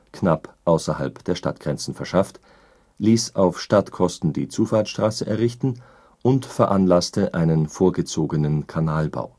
knapp außerhalb der Stadtgrenzen verschafft, ließ auf Stadtkosten die Zufahrtsstraße errichten und veranlasste einen vorgezogenen Kanalbau